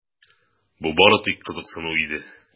Бу бары тик кызыксыну иде.